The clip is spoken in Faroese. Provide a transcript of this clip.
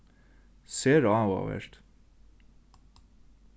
sera áhugavert